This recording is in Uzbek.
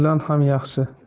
bilan ham yaxshi